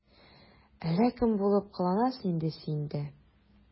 Әллә кем булып кыланасың инде син дә...